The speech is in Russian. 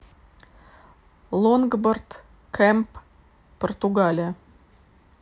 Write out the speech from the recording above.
лонгборд кэмп португалия